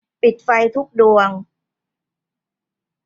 ปิดไฟทุกดวง